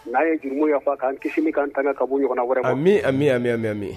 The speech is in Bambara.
N'a ye juruko yafafan k'an kisi min' tan ka ɲɔgɔn wɛrɛ ka min a min mɛn mɛ min